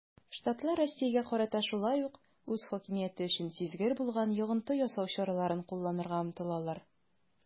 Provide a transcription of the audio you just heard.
Штатлар Россиягә карата шулай ук үз хакимияте өчен сизгер булган йогынты ясау чараларын кулланырга омтылалар.